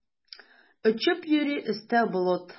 Очып йөри өстә болыт.